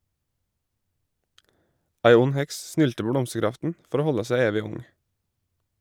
Ei ond heks snylter på blomsterkraften for å holde seg evig ung.